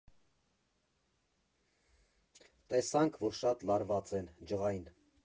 Տեսանք, որ շատ լարված են, ջղայն։